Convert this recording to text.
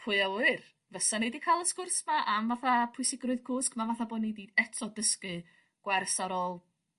pwy a wyr? Fysan ni 'di ca'l y sgwrs 'ma am fatha pwysigrwydd cwsg ma' fatha bo' ni 'di eto dysgu gwers ar ôl